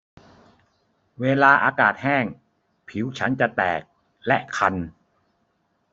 เวลาอากาศแห้งผิวฉันจะแตกและคัน